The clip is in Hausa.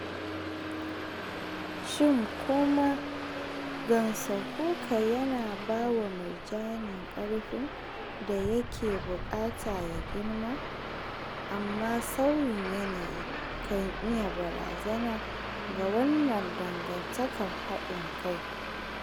Shi kuma gansakuka yana ba wa murjani ƙarfin da ya ke buƙata ya girma, amma sauyin yanayi kan iya barazana ga wannan dangantakar haɗin kai.